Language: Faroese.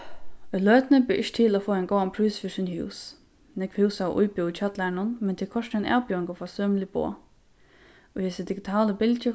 í løtuni ber ikki til at fáa ein góðan prís fyri síni hús nógv hús hava íbúð í kjallaranum men tað er kortini ein avbjóðing at fáa sømilig boð í hesi digitalu bylgju